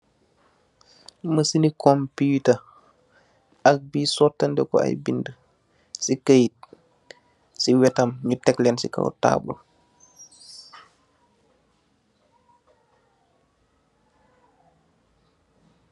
Machine compiter ak bi sotandeko ay benda si keyt si wetam nyu teg lenn si kaw tabul.